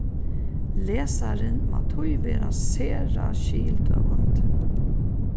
lesarin má tí vera sera skildømandi